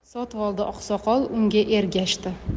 sotvoldi oqsoqol unga ergashdi